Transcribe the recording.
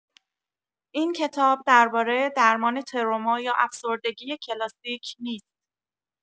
این کتاب درباره درمان تروما یا افسردگی کلاسیک نیست.